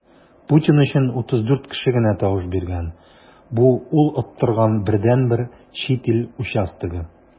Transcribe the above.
Путин өчен 34 кеше генә тавыш биргән - бу ул оттырган бердәнбер чит ил участогы.